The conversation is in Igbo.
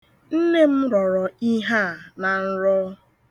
Nne m rọrọ ihe a na nrọ.